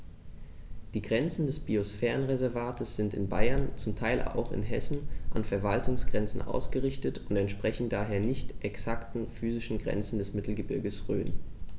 Die Grenzen des Biosphärenreservates sind in Bayern, zum Teil auch in Hessen, an Verwaltungsgrenzen ausgerichtet und entsprechen daher nicht exakten physischen Grenzen des Mittelgebirges Rhön.